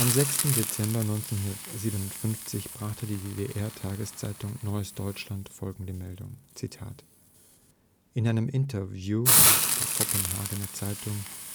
6. Dezember 1957 brachte die DDR-Tageszeitung Neues Deutschland die folgende Meldung: „ In einem Interview mit der Kopenhagener Zeitung Politiken